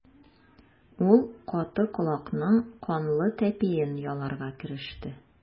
Ул каты колакның канлы тәпиен яларга кереште.